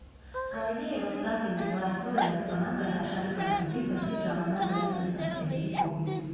Կարելի է վստահ լինել, որ այսօր էլ այս պնակը հրաշալի կընդունվի դրսից ժամանած երաժշտասերների կողմից։